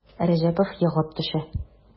Рәҗәпов егылып төшә.